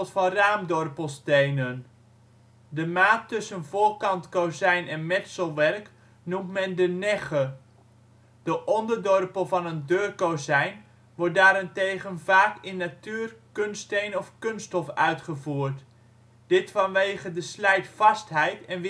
van raamdorpelstenen. De maat tussen voorkant kozijn en metselwerk noemt men de negge. De onderdorpel van een deurkozijn wordt daarentegen vaak in natuur -, kunststeen of kunststof uitgevoerd, dit vanwege de slijtvastheid en